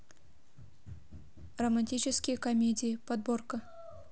романтические комедии подборка